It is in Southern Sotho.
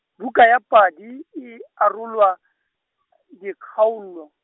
buka ya padi e arolwa , dikgaolo.